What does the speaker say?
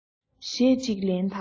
གཞས གཅིག ལེན དང